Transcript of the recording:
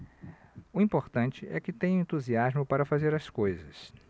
o importante é que tenho entusiasmo para fazer as coisas